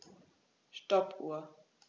Stoppuhr.